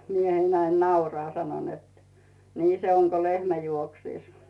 mieheni näin nauraa sanoi että niin se on kuin lehmä juoksisi